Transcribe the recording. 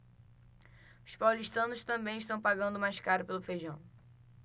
os paulistanos também estão pagando mais caro pelo feijão